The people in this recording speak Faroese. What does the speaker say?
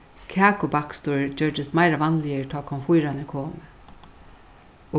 kakubakstur gjørdist meira vanligur tá komfýrarnir komu